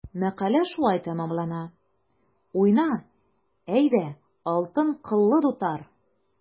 Мәкалә шулай тәмамлана: “Уйна, әйдә, алтын кыллы дутар!"